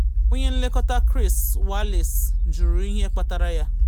Onye nlekọta Chris Wallace jụrụ ihe kpatara ya.